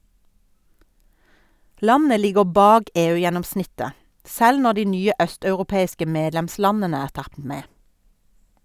Landet ligger bak EU-gjennomsnittet , selv når de nye østeuropeiske medlemslandene er tatt med.